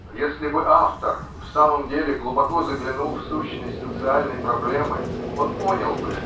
Но если бы автор в самом деле глубоко заглянул в сущность социальной проблемы он понял бы